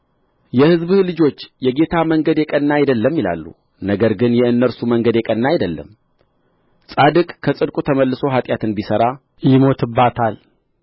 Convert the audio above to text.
የሕዝብህ ልጆች የጌታ መንገድ የቀና አይደለም ይላሉ ነገር ግን የእነርሱ መንገድ የቀና አይደለም ጻድቅ ከጽድቁ ተመልሶ ኃጢአትን ቢሠራ ይሞትባታል